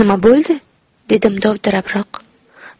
nima bo'ldi dedim dovdirabroq